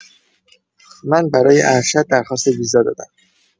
من برای ارشد درخواست ویزا دادم.